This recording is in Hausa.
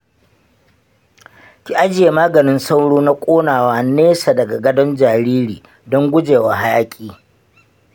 ki ajiye maganin sauro na ƙonawa nesa daga gadon jariri don gujewa hayaƙi.